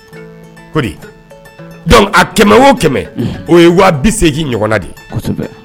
A kɛmɛ o kɛmɛ o ye wa segingin ɲɔgɔn de